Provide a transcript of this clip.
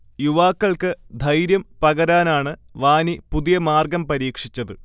യുവാക്കൾക്ക് 'ധൈര്യം' പകരാനാണ് വാനി പുതിയ മാർഗം പരീക്ഷിച്ചത്